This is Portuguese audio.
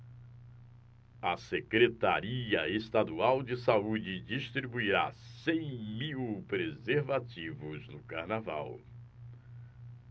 a secretaria estadual de saúde distribuirá cem mil preservativos no carnaval